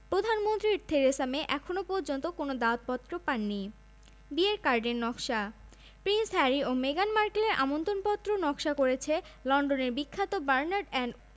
রাজপরিবারের একটি সূত্র সিএনএনকে জানায় সাবেক মার্কিন প্রেসিডেন্ট বারাক ওবামা ও মিশেল ওবামাকে এই বিয়েতে নিমন্ত্রণ করা হয়নি এমনকি বর্তমান মার্কিন প্রেসিডেন্ট ডোনাল্ড ট্রাম্প ও যুক্তরাজ্যের